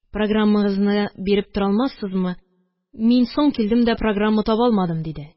Программаңызны биреп тора алмассызмы, мин соң килдем дә программа таба алмадым, – диде.